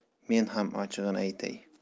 men ham ochig'ini aytay